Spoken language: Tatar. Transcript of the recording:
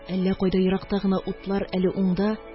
Әллә кайда еракта гына утлар әле уңда,